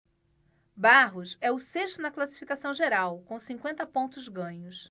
barros é o sexto na classificação geral com cinquenta pontos ganhos